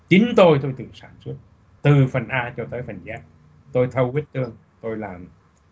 chính tôi tôi tự sản xuất từ phần a cho tới phần dét tôi thâu huyết tương tôi làm